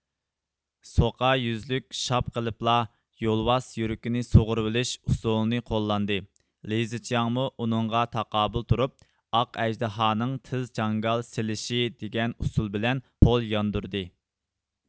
سوقا يۈزلۈك شاپ قىلىپلا يولۋاس يۈرىكىنى سۇغۇرۇۋېلىش ئۇسۇلىنى قوللاندى لى زىچياڭمۇ ئۇنىڭغا تاقابىل تۇرۇپ ئاق ئەجدىھانىڭ تېز چاڭگال سېلىشى دېگەن ئۇسۇل بىلەن قول ياندۇردى